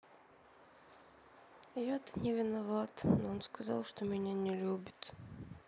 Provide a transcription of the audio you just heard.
я то не виноват но он сказал что меня не любит